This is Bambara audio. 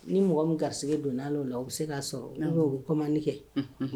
Ni mɔgɔ min gari don' la u bɛ se k'a sɔrɔ n' coman kɛ